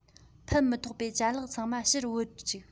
ཕན མི ཐོགས པའི ཅ ལག ཚང མ ཕྱིར བོར ཅིག